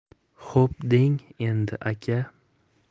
xo'p deng endi aka